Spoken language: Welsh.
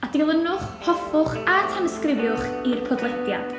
A dilynwch, hoffwch a tanysgrifiwch i'r podlediad.